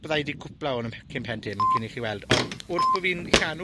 Bydda i 'di cwpla 'wn yn pu- cyn pen dim, cyn i chi weld. Ond wrth bo' fi'n llanw